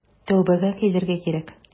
Тәүбәгә килергә кирәк.